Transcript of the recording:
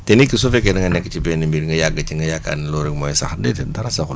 te nit ki su fekkee da nga nekk ci benn mbir nga yàgg ci nga yaakaar ne loolu rek mooy sax déedéet dara saxul